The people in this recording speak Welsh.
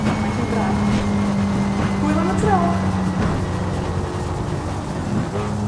pan mae hi'n braf. Hwyl am y tro!